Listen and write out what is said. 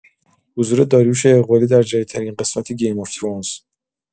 حضور داریوش اقبالی در جدیدترین قسمت گیم آف ترونز